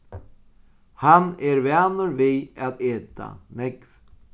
hann er vanur við at eta nógv